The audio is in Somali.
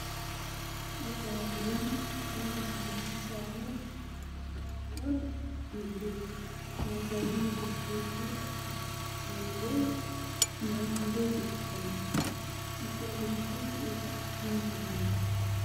Waa garoon cagaar ayey ku jiraan